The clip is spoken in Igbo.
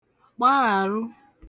gbaghàrụ